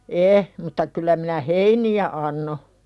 ei mutta kyllä minä heiniä annoin